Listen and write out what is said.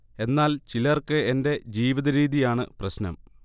എന്നാൽ ചിലർക്ക് എന്റെ ജീവിത രീതിയാണ് പ്രശ്നം